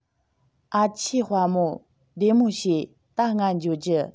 ཨ ཆེ དཔའ མོ བདེ མོ བྱོས ད ང འགྱོ རྒྱུ